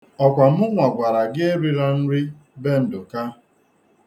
Ọ kwa mụnwa gwara gị erila nri be Ndụka?